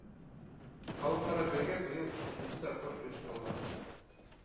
Халыкара бәйге быел җиденче тапкыр оештырылган.